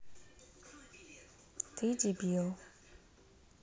ты дибил